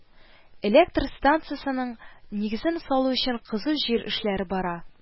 Электр станцасының нигезен салу өчен кызу җир эшләре бара